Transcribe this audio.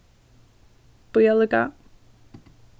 bíða líka